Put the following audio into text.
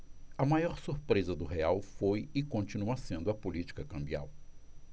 a maior surpresa do real foi e continua sendo a política cambial